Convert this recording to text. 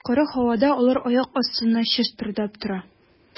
Коры һавада алар аяк астында чыштырдап тора.